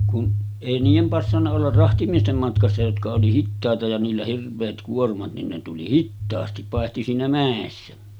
kun ei niiden passannut olla rahtimiesten matkassa jotka oli hitaita ja niillä hirveät kuormat niin ne tuli hitaasti paitsi siinä mäessä